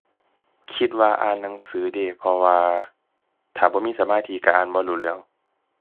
คิดว่าอ่านหนังสือเดะ เพราะว่าถ้าบ่มีสมาธิก็อ่านบ่รู้เรื่อง